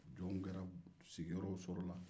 jɔn kɛra sigiyɔrɔw sɔrɔla